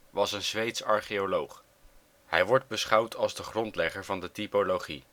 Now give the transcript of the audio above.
was een Zweeds archeoloog. Hij wordt beschouwd als de grondlegger van de typologie